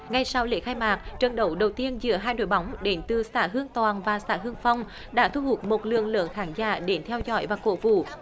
ngay sau lễ khai mạc trận đấu đầu tiên giữa hai đội bóng đến từ xã hương toàn và xã hưng phong đã thu hút một lượng lớn khán giả để theo dõi và cổ vũ